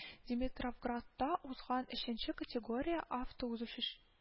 Димитровградта узган оченче категория автоузычыш